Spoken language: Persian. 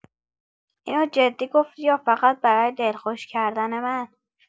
اینو جدی گفتی یا فقط برای دلخوش کردن من؟